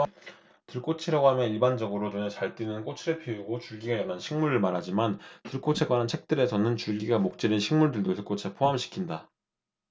들꽃이라고 하면 일반적으로 눈에 잘 띄는 꽃을 피우고 줄기가 연한 식물을 말하지만 들꽃에 관한 책들에서는 줄기가 목질인 식물들도 들꽃에 포함시킨다